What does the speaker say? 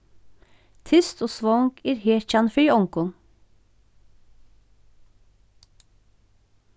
tyst og svong er hetjan fyri ongum